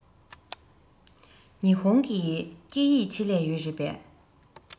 ཉི ཧོང གི སྐད ཡིག ཆེད ལས ཡོད རེད པས